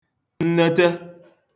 nnete